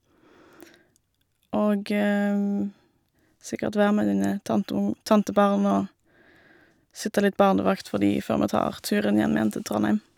Og sikkert være med denne tanteung tantebarn og sitte litt barnevakt for de, før vi tar turen hjem igjen til Trondheim.